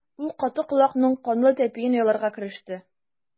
Ул каты колакның канлы тәпиен яларга кереште.